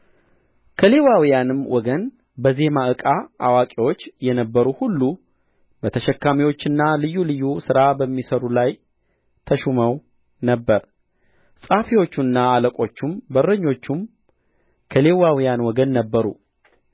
ከሌዋውያንም ወገን በዜማ ዕቃ አዋቂዎች የነበሩ ሁሉ በተሸካሚዎችና ልዩ ልዩ ሥራ በሚሠሩ ላይ ተሾመው ነበር ጸሐፊዎቹና አለቆቹም በረኞቹም ከሌዋውያን ወገን ነበሩ